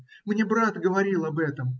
Мне брат говорил об этом.